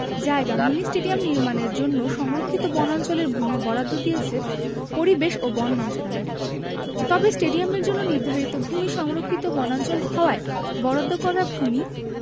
জায়গা mini stadium নির্মাণের জন্য সংরক্ষিত বনাঞ্চলের ভূমি বরাদ্দ দিয়েছে পরিবেশ ও বন মন্ত্রণালয় তবে স্টেডিয়ামের জন্য নির্ধারিত ভূমি সংরক্ষিত বনাঞ্চল হওয়ায় বরাদ্দ করা ভূমি